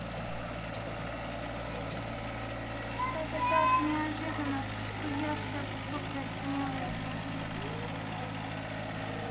это так неожиданно что я вся покраснела изнутри